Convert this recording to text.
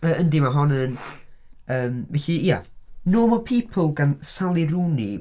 Yndi mae hon yn yym felly ia, Normal People gan Sally Rooney.